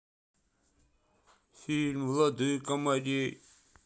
фильм владыка морей